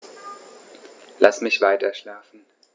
Lass mich weiterschlafen.